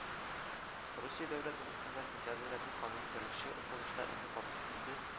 Русия Дәүләт Думасында сентябрьдә бу канун беренче укылышта инде кабул ителде